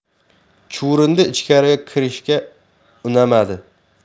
chuvrindi ichkariga kirishga unamadi